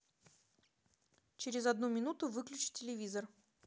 через одну минуту выключи телевизор